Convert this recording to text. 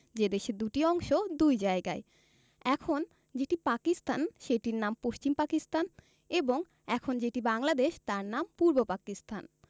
যে দেশের দুটি অংশ দুই জায়গায় এখন যেটি পাকিস্তান সেটির নাম পশ্চিম পাকিস্তান এবং এখন যেটি বাংলাদেশ তার নাম পূর্ব পাকিস্তান